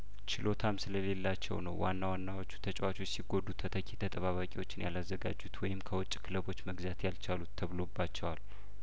ችሎታም ስለሌላቸው ነው ዋና ዋናዎቹ ተጫዋቾች ሲጐዱ ተተኪ ተጠባባቂዎችን ያላዘጋጁት ወይም ከውጭ ክለቦች መግዛት ያልቻሉት ተብሎባቸዋል